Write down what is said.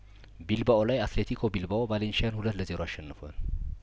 ቢልባኦ ላይ አትሌቲኮ ቢልባኦ ቫሌንሽያን ሁለት ለዜሮ አሸንፏል